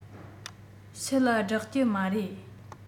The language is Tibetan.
ཕྱི ལ བསྒྲགས ཀྱི མ རེད